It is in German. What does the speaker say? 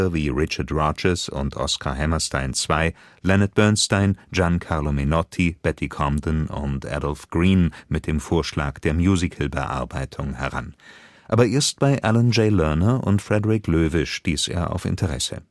wie Richard Rodgers und Oscar Hammerstein II., Leonard Bernstein, Gian Carlo Menotti, Betty Comden und Adolph Green mit dem Vorschlag der Musicalbearbeitung heran, aber erst bei Alan J. Lerner und Frederick Loewe stieß er auf Interesse